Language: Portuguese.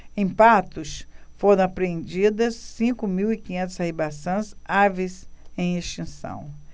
em patos foram apreendidas cinco mil e quinhentas arribaçãs aves em extinção